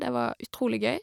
Det var utrolig gøy.